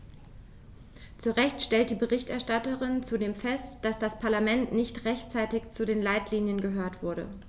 Zu Recht stellt die Berichterstatterin zudem fest, dass das Parlament nicht rechtzeitig zu den Leitlinien gehört wurde.